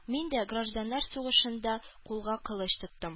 Мин дә гражданнар сугышында кулга кылыч тоттым